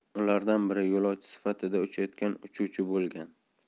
ulardan biri yo'lovchi sifatida uchayotgan uchuvchi bo'lgan